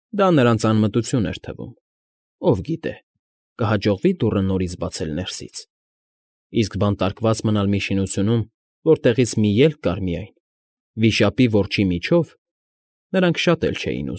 Դա նրանց անմտություն էր թվում. ով գիտե, կհաջողվի՞ դուռը որից բացել ներսից, իսկ բանտարվկած մնալ մի շինությունում, որտեղից մի ելք կար միայն՝ վիշապի որջի միջոց, նրանք շատ էլ չէին։